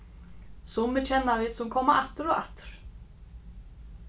summi kenna vit sum koma aftur og aftur